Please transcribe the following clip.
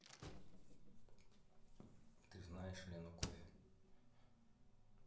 ты знаешь лену кофе